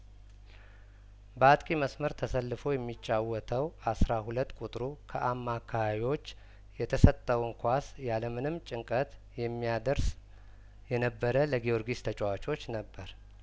በአጥቂ መስመር ተሰልፎ የሚጫወተው አስራ ሁለት ቁጥሩ ከአማካዮች የተሰጠውን ኳስ ያለምንም ጭንቀት የሚያደርስ የነበረ ለጊዮርጊስ ተጫዋቾች ነበር